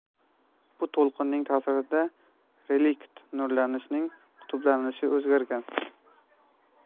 bu to'lqinlar ta'sirida relikt nurlanishning qutblanishi o'zgargan